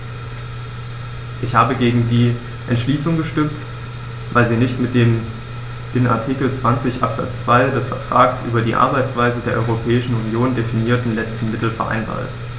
Ich habe gegen die Entschließung gestimmt, weil sie nicht mit dem in Artikel 20 Absatz 2 des Vertrags über die Arbeitsweise der Europäischen Union definierten letzten Mittel vereinbar ist.